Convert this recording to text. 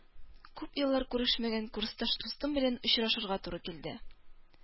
Күп еллар күрешмәгән курсташ дустым белән очрашырга туры килде